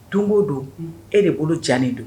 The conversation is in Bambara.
Don ko don e de bolo janlen don.